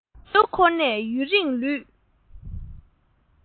མགོ ཡུ འཁོར ནས ཡུན རིང ལུས